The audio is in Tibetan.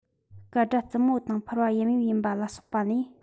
སྐད སྒྲ རྩུབ མོ དང འཕུར བ ཡམ ཡོམ ཡིན པ ལ སོགས པ ནས